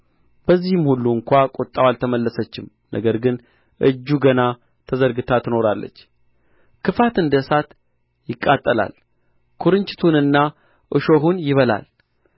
በዚህም ሁሉ እንኳ ቍጣው አልተመለሰችም ነገር ግን እጁ ገና ተዘርግታ ትኖራለች ክፋት እንደ እሳት ይቃጠላል ኵርንችቱንና እሾሁን ይበላል